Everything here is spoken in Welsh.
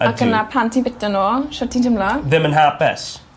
Ydw. Ac yna pan ti'n bita n'w shwt ti'n timlo? Ddim yn hapus.